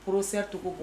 Professeur Togo